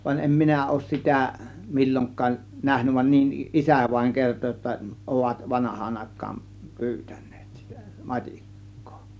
vaan en minä ole sitä milloinkaan nähnyt vaan niin isä vain kertoi jotta ovat vanhaan aikaan pyytäneet sitä matikkaa